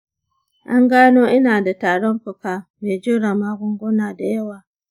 an gano ina da tarin fuka mai jure magunguna da yawa.